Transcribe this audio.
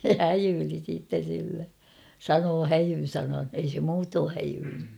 se häijyili sitten sille sanoi häijyn sanan ei se muuten häijyillyt